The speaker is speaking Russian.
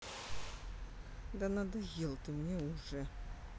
да надоел ты мне уже